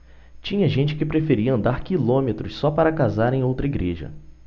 tinha gente que preferia andar quilômetros só para casar em outra igreja